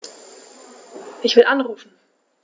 Ich will anrufen.